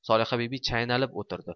solihabibi chaynalib o'tirdi